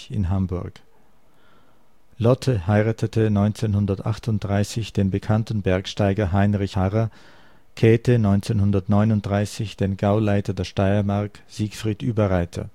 in Hamburg. Lotte heiratete 1938 den bekannten Bergsteiger Heinrich Harrer, Käte 1939 den Gauleiter der Steiermark, Siegfried Uiberreither